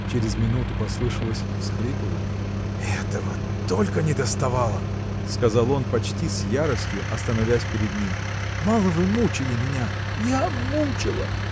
Через минуту послышалось всхлипыванье. – Этого только недоставало! – сказал он почти с яростью остановясь перед ней – мало вы мучили меня! – Я мучила!